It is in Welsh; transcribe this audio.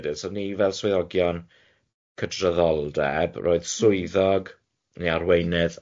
so o'n ni fel swyddogion cydraddoldeb roedd swyddog neu arweinydd.